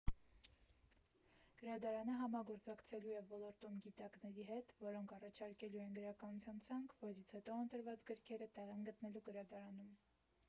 Գրադարանը համագործակցելու է ոլորտում գիտակների հետ, որոնք առաջարկելու են գրականության ցանկ, որից հետո ընտրված գրքերը տեղ են գտնելու գրադարանում։